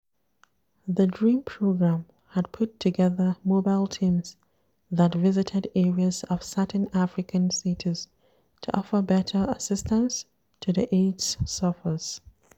GV: The DREAM programme had put together mobile teams that visited areas of certain African cities to offer better assistance to the AIDS suffers.